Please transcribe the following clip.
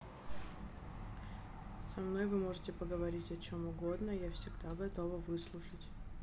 со мной вы можете говорить о чем угодно я всегда готова выслушать